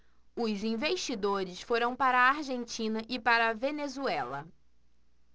os investidores foram para a argentina e para a venezuela